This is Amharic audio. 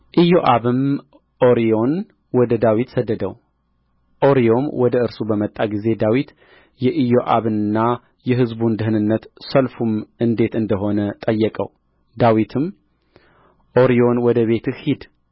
ኢዮአብም ኦርዮን ወደ ዳዊት ሰደደው ኦርዮም ወደ እርሱ በመጣ ጊዜ ዳዊት የኢዮአብንና የሕዝቡን ደኅንነት ሰልፉም እንዴት እንደ ሆነ ጠየቀው ዳዊትም ኦርዮን ወደ ቤትህ ሂድ